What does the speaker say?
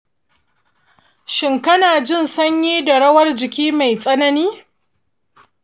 shin kana jin sanyi da rawar jiki mai tsanani